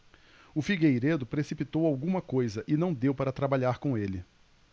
o figueiredo precipitou alguma coisa e não deu para trabalhar com ele